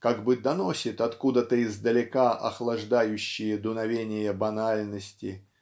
как бы доносит откуда-то издалека охлаждающие дуновения банальности